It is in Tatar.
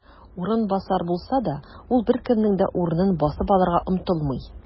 "урынбасар" булса да, ул беркемнең дә урынын басып алырга омтылмый.